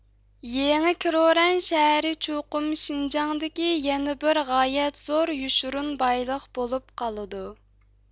يېڭى كروران شەھىرى چوقۇم شىنجاڭدىكى يەنە بىر غايەت زور يوشۇرۇن بايلىق بولۇپ قالىدۇ